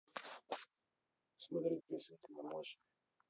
смотреть песенки для малышей